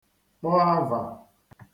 kpọ avà